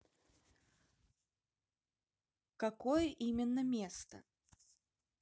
какое именно место